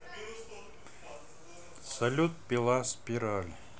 салют пила спираль